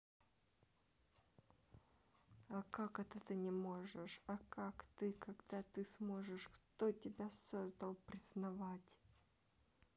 а как это ты не можешь а как ты когда ты сможешь кто тебя создал признавать